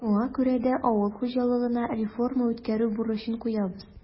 Шуңа күрә дә авыл хуҗалыгына реформа үткәрү бурычын куябыз.